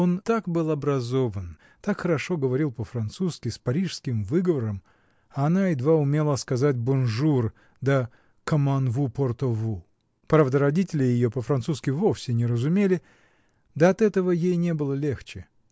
он так был образован, так хорошо говорил по-французски, с парижским выговором, а она едва умела сказать "бонжур" да "коман ву порто ву?" Правда, родители ее по-французски вовсе не разумели, да от этого ей не было легче.